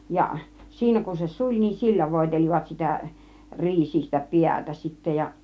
ja siinä kun se suli niin sillä voitelivat sitä riisistä päätä sitten ja